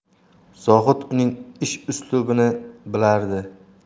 zohid uning ish uslubini bilardi